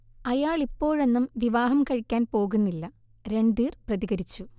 അയാളിപ്പോഴൊന്നും വിവാഹം കഴിക്കാൻ പോകുന്നില്ല- രൺധീർ പ്രതികരിച്ചു